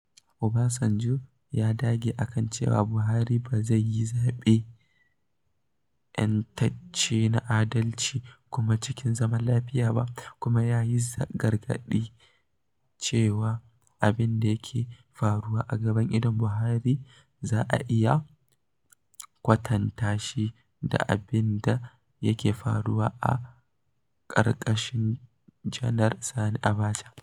Obasanjo ya dage a kan cewa Buhari ba zai yi zaɓe "'yantacce na adalci kuma cikin zaman lafiya" ba, kuma ya yi gargaɗin cewa abin da yake "faruwa a gaban idon Buhari, za a iya kwatanta shi da abin da yake faruwa a ƙarƙashin Janar Sani Abacha.